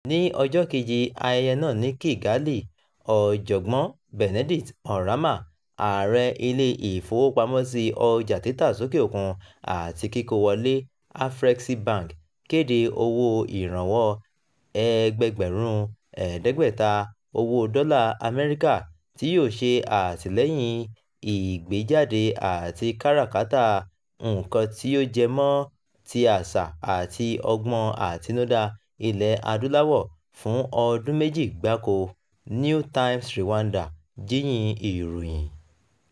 Ní ọjọ́ kejì ayẹyẹ náà ní Kigali, ọ̀jọ̀gbọ́n Benedict Oramah, ààrẹ Ilé-ìfowópamọ́sí Ọjà títa sókè òkun-àti-kíkó wọlé (Afreximbank) kéde owó ìrànwọ́ ẹgbẹẹgbẹ̀rún 500 owó dollar Amẹ́ríkà "tí yóò ṣe àtìlẹ́yìn ìgbéjáde àti káràkátà nǹkan tí ó jẹ mọ́ ti àṣà àti ọgbọ́n àtinudá Ilẹ̀-Adúláwọ̀ " fún ọdún méjì gbáko, New Times Rwanda jíyìn ìròhìn.